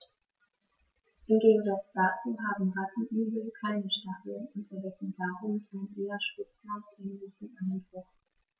Im Gegensatz dazu haben Rattenigel keine Stacheln und erwecken darum einen eher Spitzmaus-ähnlichen Eindruck.